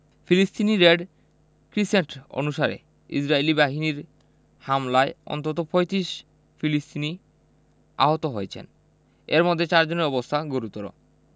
ফিলিস্তিনি red crescent অনুসারে Israeli বাহিনীর হামলায় অন্তত ৩৫ ফিলিস্তিনি আহত হয়েছেন এর মধ্যে চারজনের অবস্থা গুরুত্বর